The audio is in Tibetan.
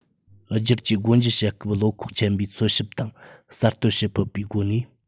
སྒྱུར བཅོས སྒོ འབྱེད བྱེད སྐབས བློ ཁོག ཆེན པོས འཚོལ ཞིབ དང གསར གཏོད བྱེད ཕོད པའི སྒོ ནས